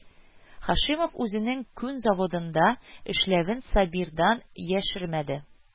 Һашимов үзенең күн заводында эшләвен Сабир-дан яшермәде